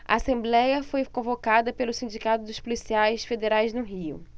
a assembléia foi convocada pelo sindicato dos policiais federais no rio